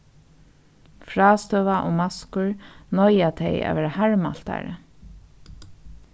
frástøða og maskur noyða tey at verða harðmæltari